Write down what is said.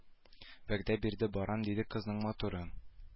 Вәгъдә бирде барам диде кызның матуры